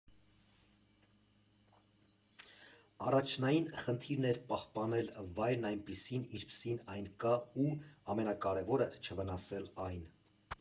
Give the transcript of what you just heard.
Առաջնային խնդիրն էր պահպանել վայրն այնպիսին, ինչպիսին այն կա ու, ամենակարևորը, չվնասել այն.